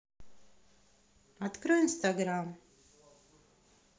открой инстаграм